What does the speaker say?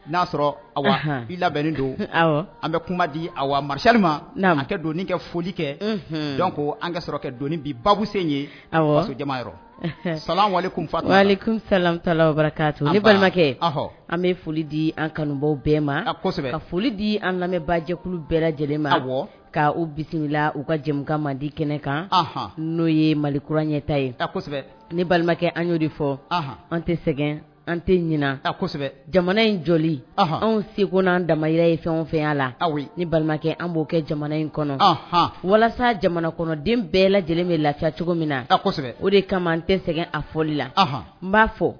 N''a sɔrɔ aw bi labɛnnen don an bɛ kuma di aw mari sali ma' kɛ doni kɛ foli kɛ dɔn ko an ka sɔrɔ kɛ don bi basen ye samisala ni balimakɛ an bɛ foli di an kanubaw bɛɛ ma a foli di an lamɛnbaajɛkulu bɛɛ lajɛlen ma bɔ ka u bisimila la u ka jɛmu ma di kɛnɛ kan n'o ye mali kurauran ɲɛta yesɛbɛ ni balimakɛ an'o de fɔ an tɛ sɛgɛn an tɛ ɲin a jamana in jɔ an se ko n'an damahira ye fɛn o fɛya la aw ni balimakɛ an b'o kɛ jamana in kɔnɔ walasa jamana kɔnɔ den bɛɛ lajɛ lajɛlen bɛ lafi cogo min na o de kama an tɛ sɛgɛn a foli la n b'a fɔ